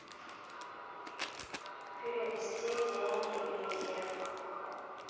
перевести деньги лизе